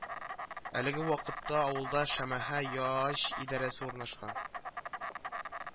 Әлеге вакытта авылда Шәмәхә ЯАҖ идарәсе урнашкан